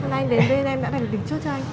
hôm nay anh đến bên em đã đặt lịch trước chưa anh